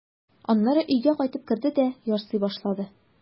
Аннары өйгә кайтып керде дә ярсый башлады.